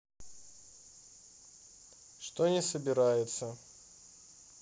что не собирается